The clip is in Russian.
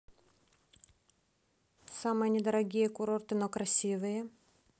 самые недорогие курорты но красивые